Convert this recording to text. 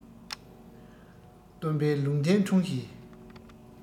སྟོན པའི ལུང བསྟན འཁྲུངས གཞིས